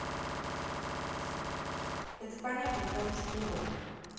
это понятно потому что ты робот